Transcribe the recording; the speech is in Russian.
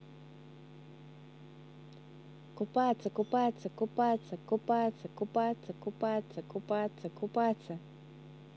купаться купаться купаться купаться купаться купаться купаться купаться